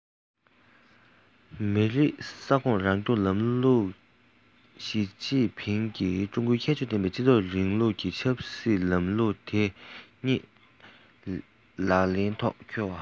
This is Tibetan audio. མི རིགས ས ཁོངས རང སྐྱོང ལམ ལུགས ཞིས ཅིན ཕིང གིས ཀྲུང གོའི ཁྱད ཆོས ཀྱི སྤྱི ཚོགས རིང ལུགས ཀྱི ཆབ སྲིད ལམ ལུགས དེ ཉིད ལག ལེན ཐོག འཁྱོལ བ དང